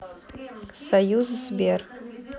союз сбер